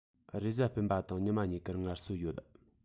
རེས གཟའ སྤེན པ དང ཉི མ གཉིས ཀར ངལ གསོ ཡོད